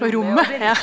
på rommet, ja.